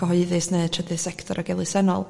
cyhoeddus ne' trydydd sector ag elusennol